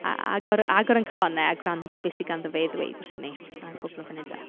A agor agor ein calonnau a gwrando beth sy ganddo fe i ddweud wrthon ni am cwpl o funudau.